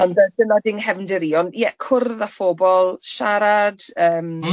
...ond dyna ydi'n nghefndir i ond ie cwrdd â phobol, siarad yym... M-hm.